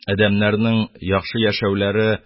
Адәмнәрнең яхшы яшәүләре,